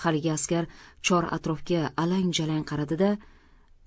haligi askar chor atrofga alang jalang qaradi da